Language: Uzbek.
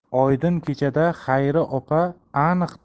oydin kechada xayri opa aniq